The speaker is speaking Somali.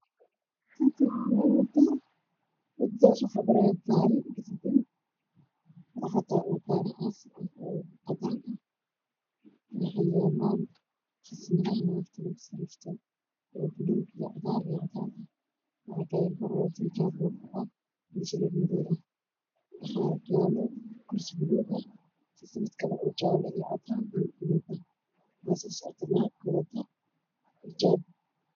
Meeshaan waxaa ka muuqod gaari gaduud ah oo laamiga maraayo